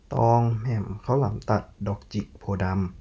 ตองแหม่มข้าวหลามตัดดอกจิกโพธิ์ดำ